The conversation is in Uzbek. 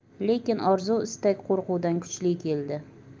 lekin orzu istak qo'rquvdan kuchli keldi